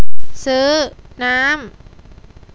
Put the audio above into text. ซื้อน้ำ